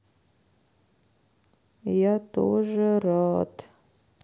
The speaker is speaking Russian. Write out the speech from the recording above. я тоже рад